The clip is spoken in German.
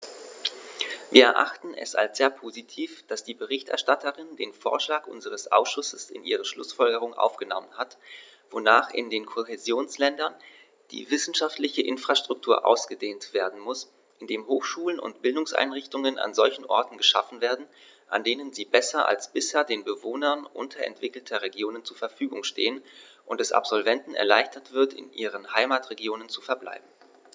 Wir erachten es als sehr positiv, dass die Berichterstatterin den Vorschlag unseres Ausschusses in ihre Schlußfolgerungen aufgenommen hat, wonach in den Kohäsionsländern die wissenschaftliche Infrastruktur ausgedehnt werden muss, indem Hochschulen und Bildungseinrichtungen an solchen Orten geschaffen werden, an denen sie besser als bisher den Bewohnern unterentwickelter Regionen zur Verfügung stehen, und es Absolventen erleichtert wird, in ihren Heimatregionen zu verbleiben.